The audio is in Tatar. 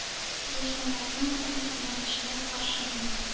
Зур сәнгатең белән нәкышләп, каршыма!